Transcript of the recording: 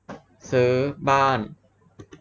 ซื้อบ้าน